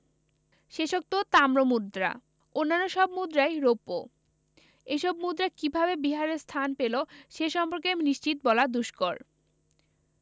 শেষোক্ত তাম্রমুদ্রা অন্যান্য সব মুদ্রাই রৌপ্য এসব মুদ্রা কিভাবে বিহারে স্থান পেল সে সম্পর্কে নিশ্চিত বলা দুষ্কর